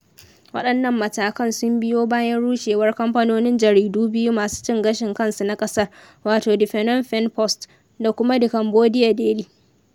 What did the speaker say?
Waɗannan matakan sun biyo bayan rushewar kamfanonin jaridu biyu masu cin gashin kansu na ƙasar, wato 'The Phnom Pehn Post' da kuma 'The Cambodia Daily'.